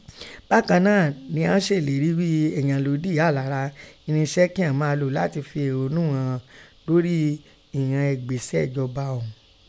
Bakàn náà nẹ ghọn ṣseleri ghí ẹ̀yanṣẹlodi hà lara irinṣẹ kí ìghọn máa lo latin fi ẹhonu ìghọn hàn lori ìghọn egbesẹ ẹ̀jọba ọ̀ún